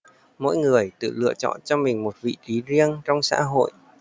mỗi người tự lựa chọn cho mình một vị trí riêng trong xã hội